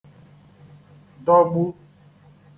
dọgbu